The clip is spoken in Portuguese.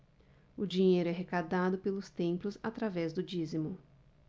o dinheiro é arrecadado pelos templos através do dízimo